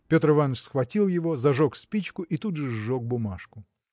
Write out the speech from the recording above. Петр Иваныч схватил его, зажег спичку и тут же сжег бумажку.